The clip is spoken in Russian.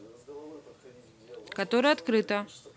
который открыто